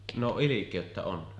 no ilkeyttä on